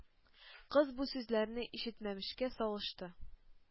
Кыз бу сүзләрне ишетмәмешкә салышты.